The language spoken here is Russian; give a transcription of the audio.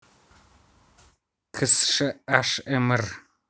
kshmr